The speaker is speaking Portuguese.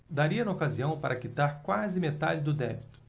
daria na ocasião para quitar quase metade do débito